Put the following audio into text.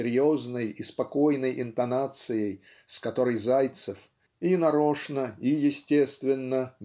серьезной и спокойной интонацией с которой Зайцев и нарочно и естественно